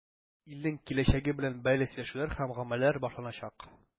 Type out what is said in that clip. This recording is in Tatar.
Илнең киләчәге белән бәйле сөйләшүләр һәм гамәлләр башланачак.